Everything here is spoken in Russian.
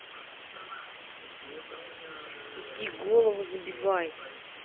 иди голову забивай